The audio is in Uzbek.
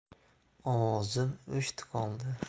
ovozim o'chdi qoldi